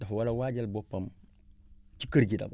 dafa war a waajal boppam ci kër gi d' abord